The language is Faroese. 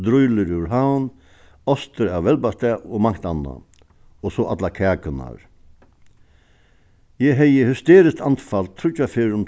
drýlur úr havn ostur av velbastað og mangt annað og so allar kakurnar eg hevði hysteriskt anfall tríggjar ferðir um